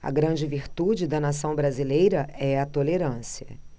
a grande virtude da nação brasileira é a tolerância